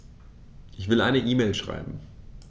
Ich will eine E-Mail schreiben.